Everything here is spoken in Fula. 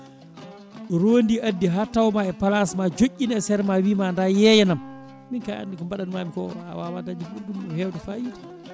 rondi addi ha tawma e place ma joƴƴini e saara ma wiima da yeeyanam min kay andi ko banɗanmami ko a wawa dañje ko ɓuuri ɗum hewde fayida